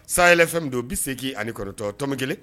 Sayay fɛn min don bɛ segin ani kɔrɔtɔ tom kelen